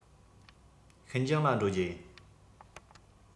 ཤིན ཅང ལ འགྲོ རྒྱུ ཡིན